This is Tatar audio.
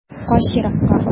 Кач еракка.